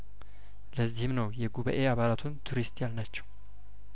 ለዚህም ነው የጉባኤ አባላቱን ቱሪስት ያልናቸው